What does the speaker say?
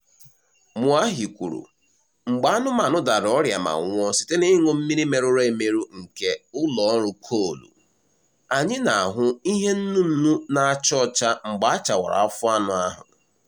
Moahi kwuru, "Mgbe anụmanụ dara ọrịa ma nwụọ site n'ịṅụ mmiri merụrụ emerụ nke ụlọọrụ koolu, anyị na-ahụ ihe nnu nnu na-acha ọcha mgbe a chawara afọ anụ ahụ,"